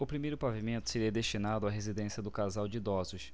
o primeiro pavimento seria destinado à residência do casal de idosos